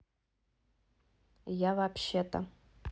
я вообще то